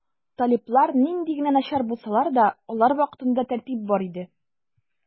Талиблар нинди генә начар булсалар да, алар вакытында тәртип бар иде.